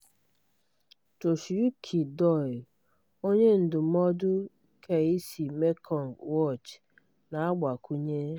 Toshiyuki Doi, onyendụmọdụ keisi Mekong watch, na-agbakwụnye: